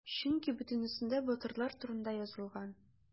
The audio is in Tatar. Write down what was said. Чөнки бөтенесендә батырлар турында язылган.